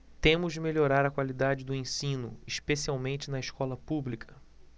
temos de melhorar a qualidade do ensino especialmente na escola pública